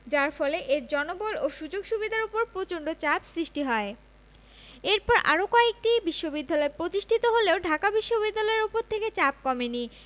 যার ফলে এর জনবল ও সুযোগ সুবিধার ওপর প্রচন্ড চাপ সৃষ্টি হয় এরপর আরও কয়েকটি বিশ্ববিদ্যালয় প্রতিষ্ঠিত হলেও ঢাকা বিশ্ববিদ্যালয়ের ওপর থেকে চাপ কমেনি